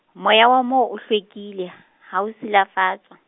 moya wa moo o hlwekile , ha o silafatswa.